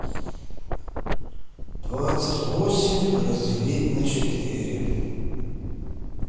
двадцать восемь разделить на четыре